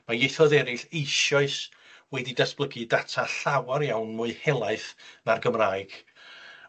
Ma' ieithoedd eraill eisoes wedi datblygu data llawar iawn mwy helaeth na'r Gymraeg.